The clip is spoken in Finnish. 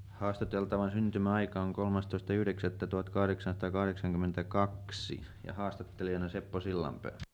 haastateltavan syntymäaika on kolmastoista yhdeksättä tuhatkahdeksansataakahdeksankymmentäkaksi ja haastattelijana Seppo Sillanpää